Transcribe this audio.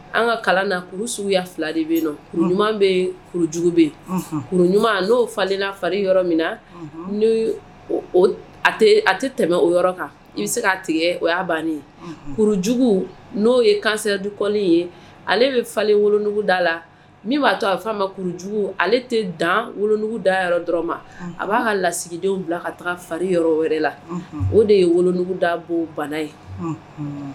An ka kalan na suguya fila de bɛ yen ɲuman bɛjugu bɛ yen ɲuman'o falen fari yɔrɔ min na tɛ tɛmɛ o yɔrɔ kan i bɛ se k'a tigɛ o banjugu n'o ye kansira du ye ale bɛ falen wolodugu da la min b'a to a'a ma kurujugu ale tɛ dan wolodugu da dɔrɔn ma a b'a ka lasigidenw ka fa yɔrɔ wɛrɛ la o de ye wolodugu da bɔ ye